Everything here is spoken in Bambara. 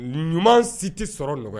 Ɲuman si tɛ sɔrɔ nɔgɔya